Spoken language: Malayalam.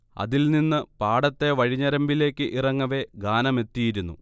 അതിൽ നിന്ന് പാടത്തെ വഴിഞരമ്പിലേക്ക് ഇറങ്ങവെ ഗാനമെത്തിയിരുന്നു